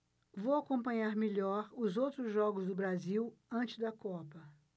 vou acompanhar melhor os outros jogos do brasil antes da copa